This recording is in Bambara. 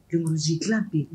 Dunun dila bɛ yen